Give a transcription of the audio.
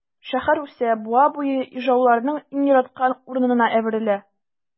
Шәһәр үсә, буа буе ижауларның иң яраткан урынына әверелә.